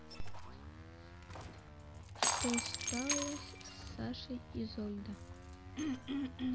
что сталось с сашей изольда